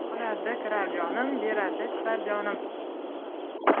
olarda kirar jonim berarda chiqar jonim